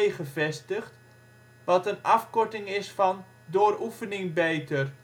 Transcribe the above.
gevestigd, wat een afkorting is van Door Oefening Beter